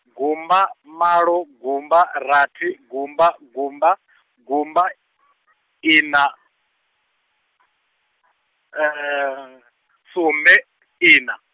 gumba malo gumba rathi gumba gumba, gumba, ina, sumbe ina.